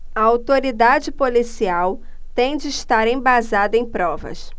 a autoridade policial tem de estar embasada em provas